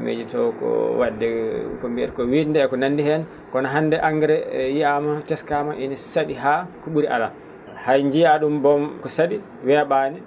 miijotoo ko wa?de ko ?e mbiyata ko wiinde e ko nandi heen kono hannde engrais yiyaama teskaama ene sa?i haa ko ?uri alaa hay njiyaa ?um mbom ko sa?i wee?aani